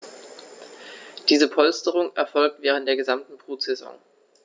Diese Polsterung erfolgt während der gesamten Brutsaison.